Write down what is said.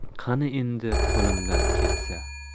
qani endi qo'limdan kelsa